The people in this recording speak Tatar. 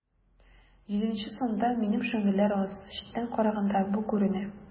Җиденче санда минем шигырьләр аз, читтән караганда бу күренә.